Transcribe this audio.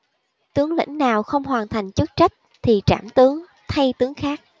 tướng lĩnh nào không hoàn thành chức trách thì trảm tướng thay tướng khác